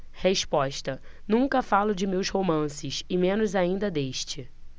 resposta nunca falo de meus romances e menos ainda deste